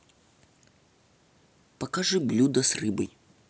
покажи блюда с рыбой